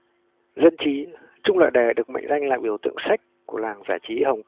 dân trí chung lệ đề được mệnh danh là biểu tượng sex của làng giải trí hồng